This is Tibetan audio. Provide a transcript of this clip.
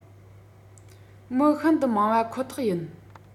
མི ཤིན ཏུ མང པ ཁོ ཐག ཡིན